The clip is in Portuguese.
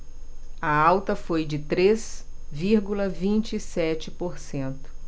a alta foi de três vírgula vinte e sete por cento